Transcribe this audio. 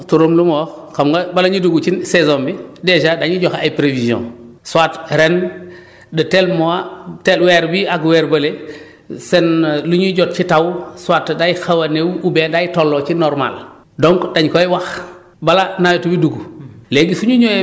boobu comme turam lu mu wax xam nga bala ñuy dugg ci saison bi dèjà dañuy joxe ay prévisions soit ren de tel mois tel weer bii ak weer bële seen lu ñuy jot ci taw soit day xaw a néew oubien day tolloo ci normal donc dañ koy wax balaa nawet wi dugg